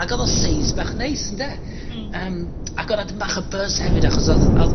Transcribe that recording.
Ag odd o size bach neis ynde? Hmm. Yym, ag odd 'na dymed bach o buzz hefyd achos odd odd...